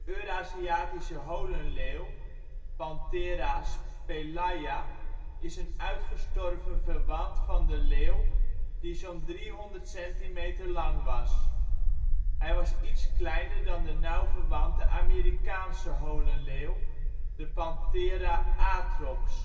Euraziatische holenleeuw (Panthera spelaea) is een uitgestorven verwant van de leeuw die zo 'n 300 cm lang was. Hij was iets kleiner dan de nauw verwante Amerikaanse holenleeuw (Panthera atrox